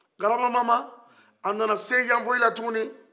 grabamama a nana se yanfɔlila tukuni